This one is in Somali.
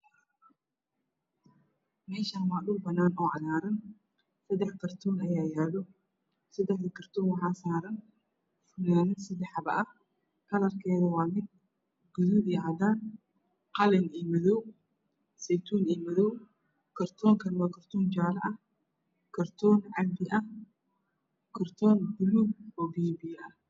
Meeshaan waa dhul banaan oo cagaaran seddex kartoon ayaa yaalo. seddexda kartoon waxaa saaran fanaanad seddex xabo ah kalarkeeda waa mid gaduud iyo cadaan, qalin iyo madow, saytuun iyo madow kartoonkana waa kartoon jaalla ah kartoon canbi ah kartoon baluug oo bibiyo ah.